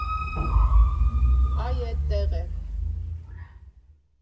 Այ էդտեղ է.